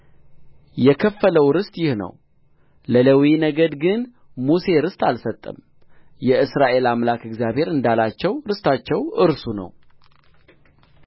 የከፈለው ርስት ይህ ነው ለሌዊ ነገድ ግን ሙሴ ርስት አልሰጠም የእስራኤል አምላክ እግዚአብሔር እንዳላቸው ርስታቸው እርሱ ነው